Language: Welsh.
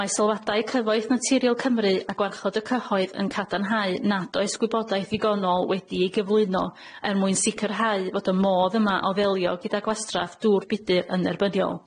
Mae sylwadau cyfoeth naturiol Cymru a gwarchod y cyhoedd yn cadarnhau nad oes gwybodaeth ddigonol wedi'i gyflwyno er mwyn sicrhau fod y modd yma o ddelio gyda gwastraff dŵr budr yn nerbyniol.